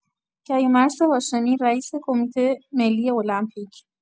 کیومرث هاشمی رئیس کمیته ملی المپیک